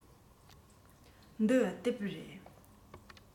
འདི དེབ རེད